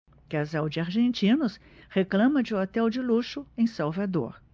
casal de argentinos reclama de hotel de luxo em salvador